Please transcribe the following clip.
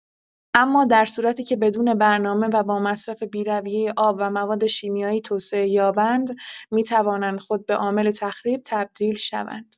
اما در صورتی که بدون برنامه و با مصرف بی‌رویه آب و مواد شیمیایی توسعه یابند، می‌توانند خود به عامل تخریب تبدیل شوند.